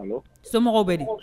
Somɔgɔw bɛ di